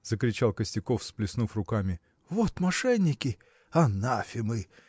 – закричал Костяков, всплеснув руками, – вот мошенники! анафемы!